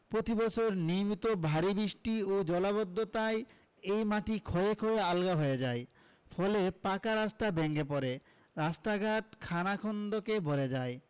প্রতিবছর নিয়মিত ভারি বৃষ্টি ও জলাবদ্ধতায় এই মাটি ক্ষয়ে ক্ষয়ে আলগা হয়ে যায় ফলে পাকা রাস্তা ভেঙ্গে পড়ে রাস্তাঘাট খানাখন্দকে ভরে যায়